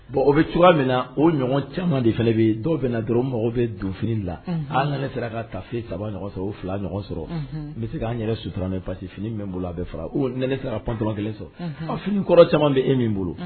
Bon o bɛ cogoya min na o ɲɔgɔn caman de fana bɛ dɔw bɛna na dɔrɔn mɔgɔw bɛ donf la an nana sera ka taafe saba ɲɔgɔn sɔrɔ o fila ɲɔgɔn sɔrɔ n bɛ se ka n yɛrɛ sutura pasi fini min bolo a bɛ n sera ptɔn kelen sɔrɔ a fini kɔrɔ caman bɛ e min bolo